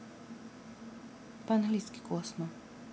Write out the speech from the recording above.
по английски космо